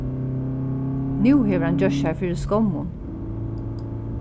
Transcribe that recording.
nú hevur hann gjørt sær fyri skommum